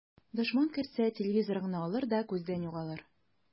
Дошман керсә, телевизорыңны алыр да күздән югалыр.